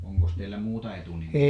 onkos teillä muuta etunimeä